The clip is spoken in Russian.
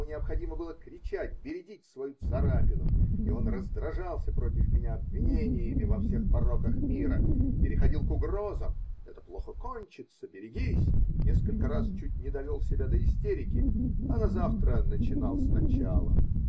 ему необходимо было кричать, бередить свою царапину, и он разражался против меня обвинениями во всех пороках мира, переходил к угрозам -- "это плохо кончится, берегись" -- несколько раз чуть не довел себя до истерики, а назавтра начинал сначала.